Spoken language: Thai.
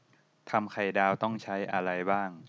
ทำไข่ดาวต้องใช้อะไรบ้าง